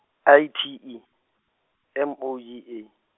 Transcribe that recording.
I T E, M O G A.